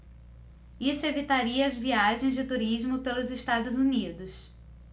isso evitaria as viagens de turismo pelos estados unidos